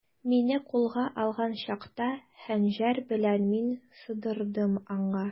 Мине кулга алган чакта, хәнҗәр белән мин сыдырдым аңа.